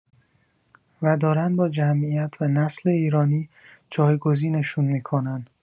و دارن با جمعیت و نسل ایرانی جایگزینشون می‌کنن